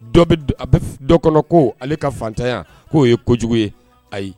Dɔ a bɛ dɔ kɔnɔ ko ale ka fatanya k'o ye kojugu ye ayi.